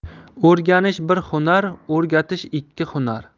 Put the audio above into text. o'rganish bir hunar o'rgatish ikki hunar